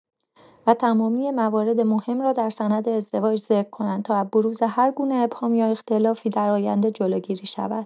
و تمامی موارد مهم را در سند ازدواج ذکر کنند تا از بروز هرگونه ابهام یا اختلافی در آینده جلوگیری شود.